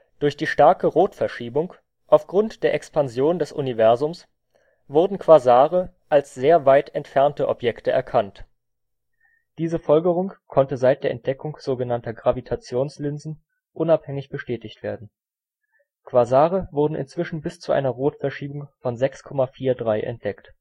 Durch die starke Rotverschiebung aufgrund der Expansion des Universums wurden Quasare als sehr weit entfernte Objekte erkannt. Diese Folgerung konnte seit der Entdeckung von Gravitationslinsen unabhängig bestätigt werden. Quasare wurden inzwischen bis zu einer Rotverschiebung von 6,43 entdeckt